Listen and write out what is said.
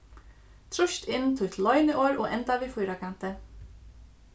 trýst inn títt loyniorð og enda við fýrakanti